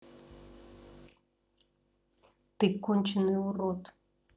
ты конченый урод